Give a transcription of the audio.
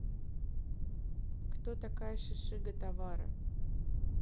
кто такая шишига товара